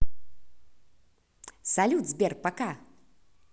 салют сбер пока